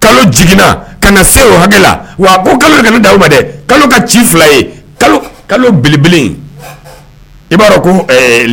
Kalo jiginna ka na se oo hakɛ la wa a ko kalo ka dawuba dɛ kalo ka ci fila ye kalo kalo bb i b'a dɔn ko